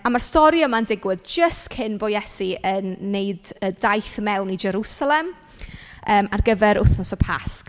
A mae'r stori yma'n digwydd jyst cyn bo' Iesu yn wneud y daith mewn i Jerusalem yym ar gyfer wythnos y Pasg.